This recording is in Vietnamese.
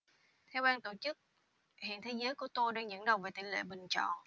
theo ban tổ chức hiện thế giới của tôi đang dẫn đầu về tỉ lệ bình chọn